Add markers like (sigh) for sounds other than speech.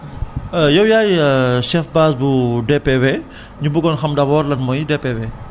(hesitation) (hesitation) (hesitation) yow yaay (hesitation) chef base bu (hesitation) DPV (breath) ñu buggoon xam d' abord lan mooy DPV